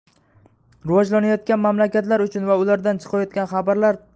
rivojlanayotgan mamlakatlar uchun va ulardan chiqayotgan